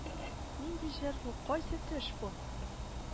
Нинди җир бу кайсы төш бу